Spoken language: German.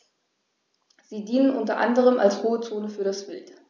Sie dienen unter anderem als Ruhezonen für das Wild.